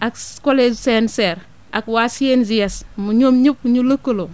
ak cogège CNCR ak waa CNJS ñoom ñëpp énu lëkkaloo